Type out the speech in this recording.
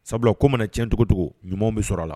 Sabula ko mana tiɲɛ cogo cogo ɲuman bɛ sɔrɔ a la